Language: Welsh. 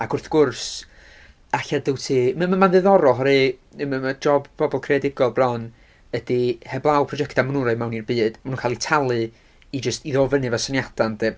Ac wrth gwrs, ella dwyt ti... ma' ma' ma'n ddiddorol, oherwydd ma' ma' job pobl creadigol bron, ydy heblaw projectau ma' nw'n rhoi i mewn i'r byd, ma' nw'n cael eu talu i jyst i ddod fyny efo syniadau ynde.